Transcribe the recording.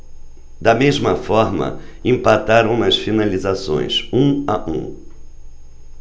da mesma forma empataram nas finalizações um a um